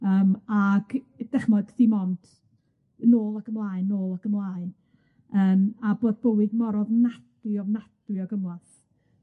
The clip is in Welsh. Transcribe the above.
Yym ac cy- 'dach ch'mod, dim ond nôl ac ymlaen, nôl ac ymlaen yym a bod bywyd mor ofnadwy, ofnadwy o gymlath.